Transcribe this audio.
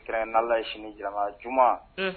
Alala ye sini jira j